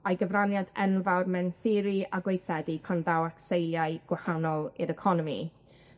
a'i gyfraniad enfawr mewn theori a gweithredu pan ddaw ac seiliau gwahanol i'r economi,